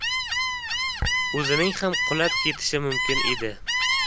o'zining ham qulab ketishi mumkin edi